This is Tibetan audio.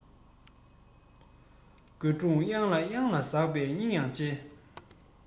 རྒོད ཕྲུག གཡང ལ གཡང ལ ཟགས པ སྙིང ཡང རྗེ